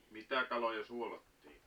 mitä kaloja suolattiin